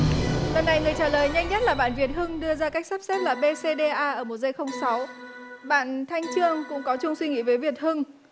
lần này người trả lời nhanh nhất là bạn việt hưng đưa ra cách sắp xếp là bê xê đê a ở một giây không sáu bạn thanh chương cũng có chung suy nghĩ với việt hưng